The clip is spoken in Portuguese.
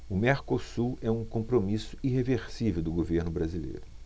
o mercosul é um compromisso irreversível do governo brasileiro